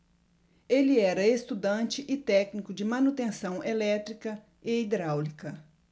ele era estudante e técnico de manutenção elétrica e hidráulica